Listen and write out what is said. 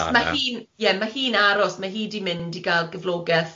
Achos ma' hi'n- ie ma' hi'n aros, ma' hi di mynd i gael gyflogeth.